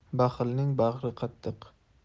baxilning bag'ri qattiq